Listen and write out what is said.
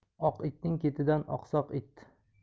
oq itning ketidan oqsoq it